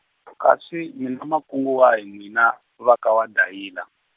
kasi mi na makungu wahi n'wina, va ka waDayila?